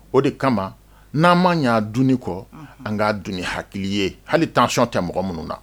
O de kama n'an ma'a dun kɔ an'a dun hakili ye halitan sɔnɔn tɛ mɔgɔ minnu na